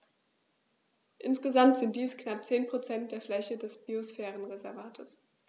Insgesamt sind dies knapp 10 % der Fläche des Biosphärenreservates.